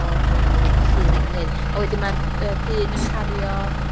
o'r yy llun yn fan hyn. A wedyn ma'r yy dyn yn cario